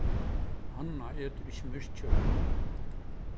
hanna etur ikki myrkt kjøt